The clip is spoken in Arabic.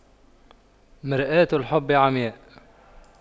مرآة الحب عمياء